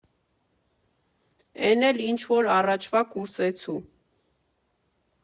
«Էն էլ ինչ֊որ առաջվա կուրսեցու»։